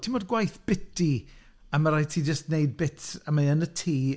Timod gwaith bitty, a ma' raid ti jyst wneud bits a mae yn y tŷ.